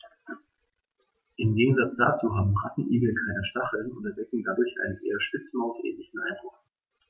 Im Gegensatz dazu haben Rattenigel keine Stacheln und erwecken darum einen eher Spitzmaus-ähnlichen Eindruck.